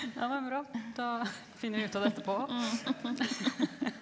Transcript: ja det er bra da finner vi ut av det etterpå òg .